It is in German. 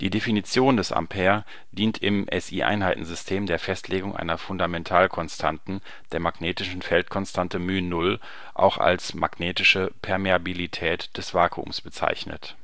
Definition des Ampere dient im SI-Einheitensystem der Festlegung einer Fundamentalkonstanten, der magnetischen Feldkonstante μ0, auch als (magnetische) Permeabilität des Vakuums bezeichnet